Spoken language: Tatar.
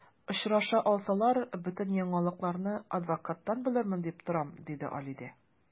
Очраша алсалар, бөтен яңалыкларны адвокаттан белермен дип торам, ди Алидә.